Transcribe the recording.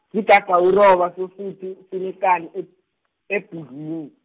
sigagawuroba sosuthu, sinekani ebh-, ebhudwini.